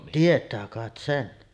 tietää kai sen